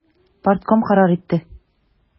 Партком карар итте.